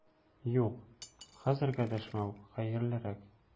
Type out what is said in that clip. Юк, хәзергә дәшмәү хәерлерәк!